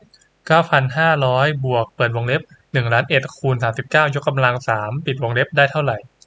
เก้าพันห้าร้อยบวกเปิดวงเล็บหนึ่งล้านเอ็ดคูณสามสิบเก้ายกกำลังสามปิดวงเล็บได้เท่าไร